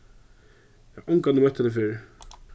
eg hevði ongantíð møtt henni fyrr